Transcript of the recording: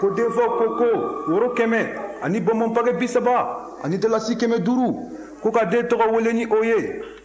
ko denfaw ko ko woro kɛmɛ ani bɔnbɔn paquet bi saba ani dalasi kɛmɛ duuru ko ka den tɔgɔ wele ni o ye